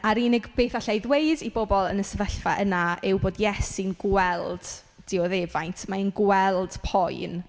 A'r unig beth alla i ddweud i bobl yn y sefyllfa yna yw bod Iesu'n gweld dioddefaint, ma' e'n gweld poen.